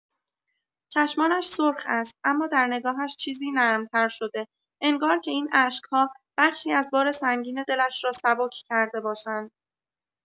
چشمانش سرخ است، اما در نگاهش چیزی نرم‌تر شده، انگار که این اشک‌ها بخشی از بار سنگین دلش را سبک کرده باشند.